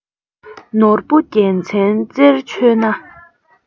ནོར བུ རྒྱལ མཚན རྩེར མཆོད ན